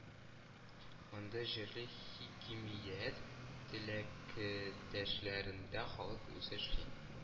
Монды җирле хакимийәт теләктәшләрендә халык үзе эшли